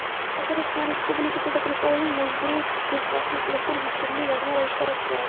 Татарстан Республикасы документларының мәҗбүри нөсхәсен илтеп җиткерүне язма рәвештә раслау.